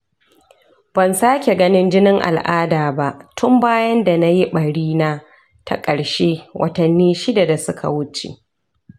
ban sake ganin jinin al’ada ba tun bayan da na yi ɓari na ta ƙarshe watanni shida da suka wuce.